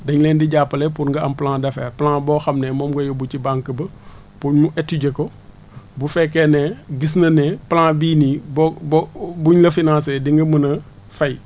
dañ leen di jàppale pour nga am plan d' affaire plan boo xam ne moom ngay yóbbu ci banque ba pour ñu étudier ko bu fekkee ne gis na ne plan bii nii boo boo buñ la financé di nga mën a fay